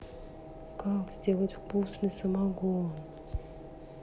как сделать вкусный самогон